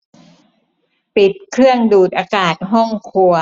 ปิดเครื่องดูดอากาศห้องครัว